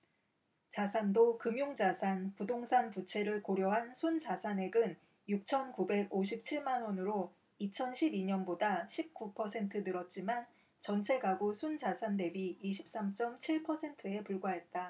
자산도 금융자산 부동산 부채를 고려한 순자산액은 육천 구백 오십 칠 만원으로 이천 십 이 년보다 십 구 퍼센트 늘었지만 전체가구 순자산 대비 이십 삼 쩜 칠 퍼센트에 불과했다